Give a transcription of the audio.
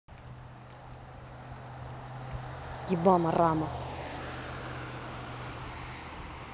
ебама рама